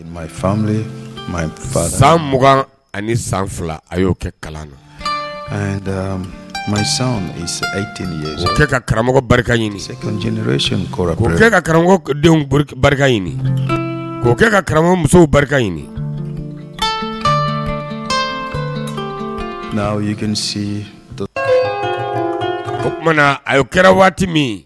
Fan sanugan ani san fila a y'o kɛ kalan na a ye teli yeo kɛ ka karamɔgɔ barika ka karamɔgɔ barika ɲini'o kɛ ka karamɔgɔ musow barika ɲini n' yek oumana na a' kɛra waati min